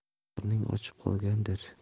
qorning ochib qolgandir